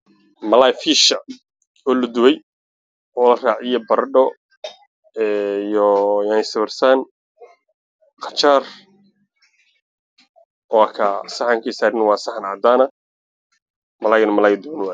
Waa hilib madoow